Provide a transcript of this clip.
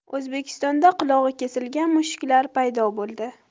o'zbekistonda qulog'i kesilgan mushuklar paydo bo'ldi